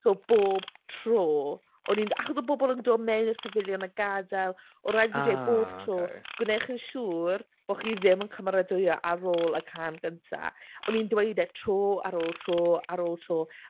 So bob tro o'n ni'n... achos oedd pobl yn dod mewn i'r pafiliwn a gadael oedd rhaid i fi dweud bob tro... ah ok ..."gwnewch yn siŵr bod chi ddim yn cymeradwyo ar ôl y cân gyntaf". O'n i'n dweud e tro ar ôl tro ar ôl tro.